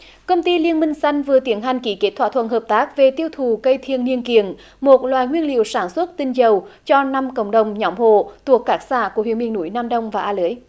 công ty liên minh xanh vừa tiến hành ký kết thỏa thuận hợp tác về tiêu thụ cây thiên niên kiện một loại nguyên liệu sản xuất tinh dầu cho năm cộng đồng nhóm hộ thuộc các xã của huyện miền núi nam đông và a lưới